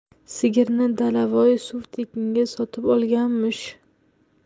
sigirni dalavoy suv tekinga sotib olganmish